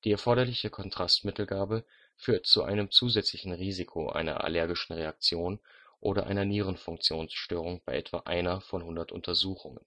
erforderliche Kontrastmittelgabe führt zu einem zusätzlichen Risiko einer allergischen Reaktion oder einer Nierenfunktionsstörung bei etwa einer von hundert Untersuchungen